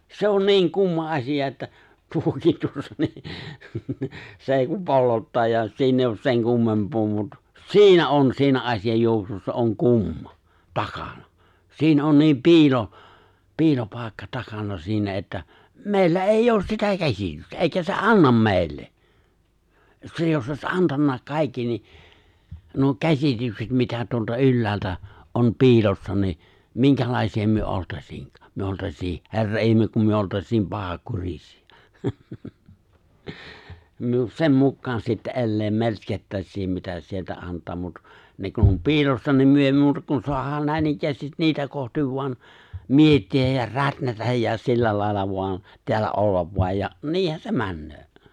se on niin kumma asia että tuokin tuossa niin se ei kuin pollottaa ja siinä ei ole sen kummempaa mutta siinä on siinä asian juoksussa on kumma takana siinä on niin piilo piilopaikka takana siinä että meillä ei ole sitä käsitystä eikä se anna meille se jos olisi antanut kaikki niin nuo käsitykset mitä tuolta ylhäältä on piilossa niin minkälaisia me oltaisiin me oltaisiin herra ihme kun me oltaisiin pahankurisia me sen mukaan sitten elää melskattaisiin mitä se sieltä antaa mutta ne kun on piilossa niin me ei muuta kuin saadaan näinikään niitä kohti vain miettiä ja rätnätä ja sillä lailla vain täällä olla vain ja niinhän se menee